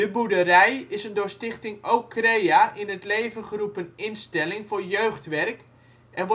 Boerderij is een door stichting " Ocrea " in het leven geroepen instelling voor jeugdwerk en